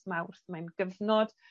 Mawrth, mae'n gyfnod